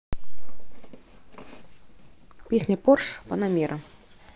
песня порш панамера